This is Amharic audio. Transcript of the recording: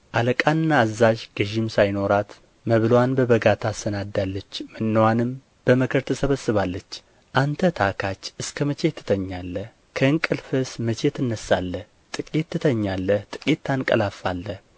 አለቃና አዛዥ ገዢም ሳይኖራት መብልዋን በበጋ ታሰናዳለች መኖዋንም በመከር ትሰበስባለች አንተ ታካች እስከ መቼ ትተኛለህ ከእንቅልፍህስ መቼ ትነሣለህ ጥቂት ትተኛለህ ጥቂት ታንቀላፋለህ